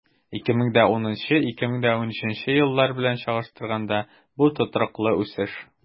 2010-2013 еллар белән чагыштырганда, бу тотрыклы үсеш.